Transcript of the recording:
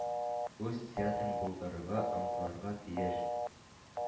Үз театрын булдырырга омтылырга тиеш.